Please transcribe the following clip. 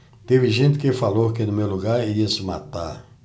teve gente que falou que no meu lugar iria se matar